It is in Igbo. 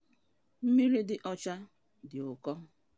Mmiri dị ọcha dị ụkọ.